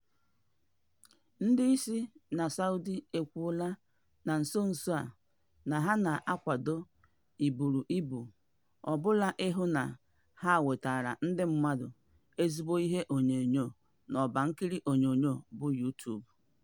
Ndị isi na Saudi e kwuola na nso nso a na ha na-akwado iburu ibu ọbụla ị hụ na ha wetara ndị mmadụ ezigbo ihe onyonyo n'ọbankiri onyonyo bụ YouTube.